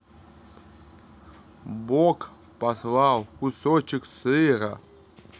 бог послал кусочек сыра